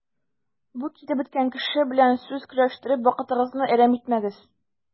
Бу киребеткән кеше белән сүз көрәштереп вакытыгызны әрәм итмәгез.